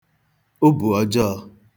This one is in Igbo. obù ọjọọ̄